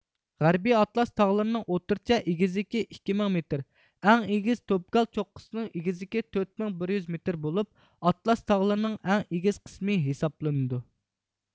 غەربىي ئاتلاس تاغلىرىنىڭ ئوتتۇرىچە ئېگىزلىكى ئىككى مىڭ مېتر ئەڭ ئېگىز توبكال چوققىسىنىڭ ئېگىزلىكى تۆت مىڭ بىر يۈز مېتر بولۇپ ئاتلاس تاغلىرىنىڭ ئەڭ ئېگىز قىسمى ھېسابلىنىدۇ